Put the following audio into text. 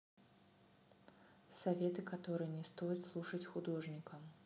советы которые не стоит слушать художникам